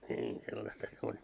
niin sellaistahan se oli